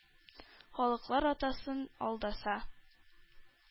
“халыклар атасы”н алдаса